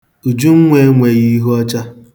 Ujunwa enweghi ihu ọcha.